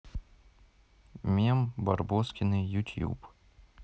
мем барбоскины ютьюб